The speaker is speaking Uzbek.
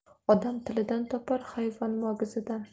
odam tilidan topar hayvon mo'gizidan